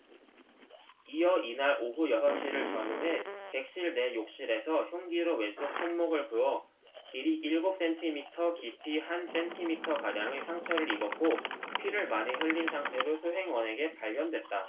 이어 이날 오후 여섯 시를 전후해 객실 내 욕실에서 흉기로 왼쪽 손목을 그어 길이 일곱 센티미터 깊이 한 센티미터가량의 상처를 입었고 피를 많이 흘린 상태로 수행원에게 발견됐다